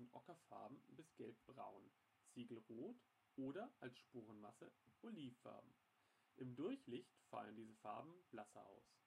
ockerfarben bis gelb-braun, ziegelrot oder - als Sporenmasse - olivfarben, im Durchlicht fallen diese Farben blasser aus